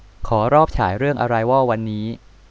ขอรอบฉายเรื่องอะไรวอลวันนี้